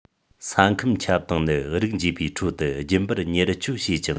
ས ཁམས ཁྱབ སྟངས ནི རིགས འབྱེད པའི ཁྲོད དུ རྒྱུན པར ཉེར སྤྱོད བྱེད ཅིང